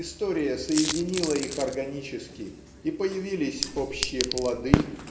история соединила их органически и появились общие плоды